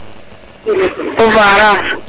o Farar